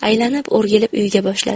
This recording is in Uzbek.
aylanib o'rgilib uyga boshladi